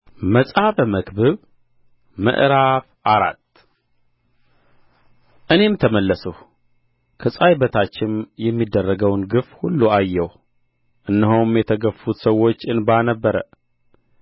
መጽሐፈ መክብብ ምዕራፍ አራት እኔም ተመለስሁ ከፀሐይ በታችም የሚደረገውን ግፍ ሁሉ አየሁ እነሆም የተገፉት ሰዎች እንባ ነበረ